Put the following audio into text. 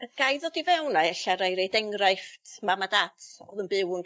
Yy gai ddod i fewn a ella roi roid enghraifft mam a dat o'dd yn byw yn...